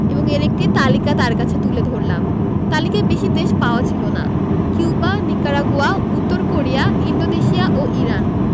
এবং এর একটি তালিকা তাঁর কাছে তুলে ধরলাম তালিকায় বেশি দেশ পাওয়া ছিল না কিউবা নিকারাগুয়া উত্তর কোরিয়া ইন্দোনেশিয়া ও ইরান